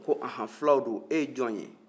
ko ɔnhɔn fulaw don e ye jɔn ye